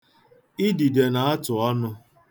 idide na-atụ ọnụ.